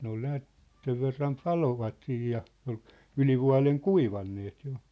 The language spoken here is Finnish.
ne oli näet sen verran paloivat siinä ja oli ylivuoden kuivaneet jo